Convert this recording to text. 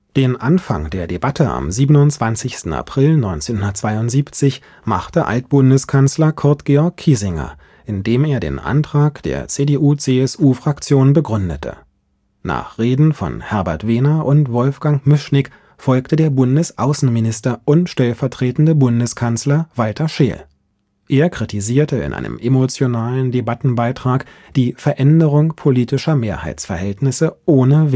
Den Anfang der Debatte am 27. April 1972 machte Altbundeskanzler Kurt Georg Kiesinger, indem er den Antrag der CDU/CSU-Fraktion begründete. Nach Reden von Herbert Wehner und Wolfgang Mischnick folgte der Bundesaußenminister und stellvertretende Bundeskanzler, Walter Scheel. Er kritisierte in einem emotionalen Debattenbeitrag die „ Veränderung politischer Mehrheitsverhältnisse ohne